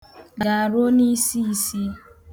Garuo n'isiisi.